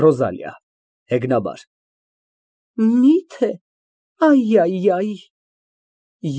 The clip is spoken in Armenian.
ՌՈԶԱԼԻԱ ֊ (Հեգնաբար) Միթե, այ, այ, այ։